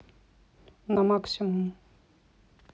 на максимум